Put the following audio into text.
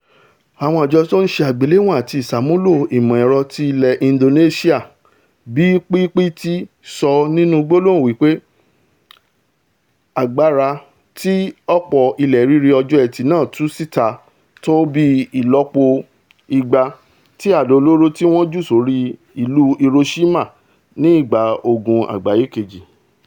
Àjọ tó Ńse Àgbéléwọ̀n àti Ìsàmúlò Ìmọ̀-ẹ̀rọ ti ilẹ̀ Indonesia (BPPT) sọ nínú gbólóhùn wí pé agbára tí ọ̀pọ̀ ilẹ̀-rírì ọjọ́ Ẹtì náà tú síta tó bíi i̇̀lopọ̀ igba ti àdó-olóró tí wọ́n jù sórí ìlú Hiroshima nígbà Ogun Àgbáyé Kejì.